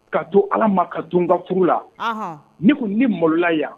Ka to Ala ma ka to n ka furu la ɔnhɔn ne ko ne malola yan